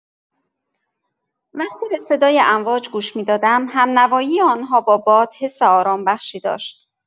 وقتی به صدای امواج گوش می‌دادم، همنوایی آن‌ها با باد حس آرامش‌بخشی داشت.